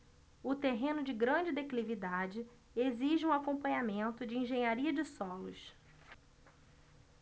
o terreno de grande declividade exige um acompanhamento de engenharia de solos